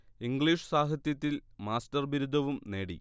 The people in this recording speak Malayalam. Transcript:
ഇംഗ്ലീഷ് സാഹിത്യത്തിൽ മാസ്റ്റർ ബിരുദവും നേടി